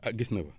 a gis na ko